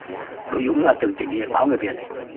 đủ dũng tường trình cho nhật báo người việt